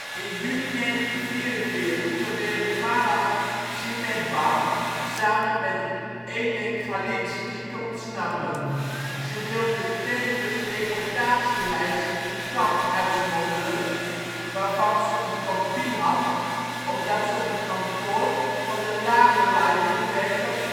In juni 1944 probeerde Mala Zimetbaum samen met Edek Galinski te ontsnappen. Ze wilde tevens deportatielijsten het kamp uit smokkelen, waarvan ze een kopie had omdat ze op het kantoor van de Lagerleitung werkte als